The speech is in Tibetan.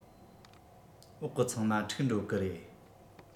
འོག གི ཚང མ འཁྲུག འགྲོ གི རེད